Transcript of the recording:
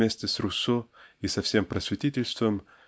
вместе с Руссо и со всем просветительством